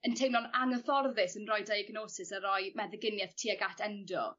yn teimlo'n angyfforddus yn roi diagnosis a roi meddyginieth tuag at endo